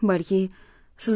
balki siziarning